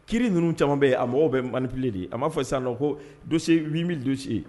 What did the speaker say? Kiri ninnu caman bɛ ye a mɔgɔw bɛ manfiele de a b'a fɔ sa nɔ ko dosi bɛ dosi ye